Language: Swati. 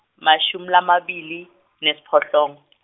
emashumi lamabili nesiphohlongo.